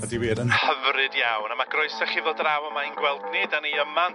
Ydi wir yn hyfryd iawn a ma' groeso chi ddod draw yma i'n gweld ni 'dan ni yma